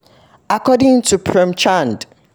According to Prem Chand: